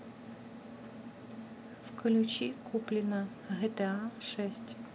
включи куплина гта шесть